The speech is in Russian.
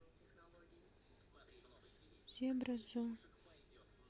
зебра зу